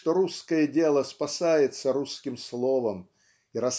что русское дело спасается русским словом и